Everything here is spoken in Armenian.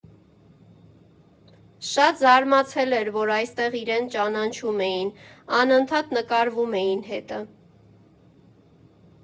Շատ զարմացել էր, որ այստեղ իրեն ճանաչում էին, անընդհատ նկարվում էին հետը։